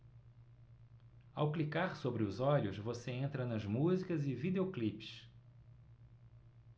ao clicar sobre os olhos você entra nas músicas e videoclipes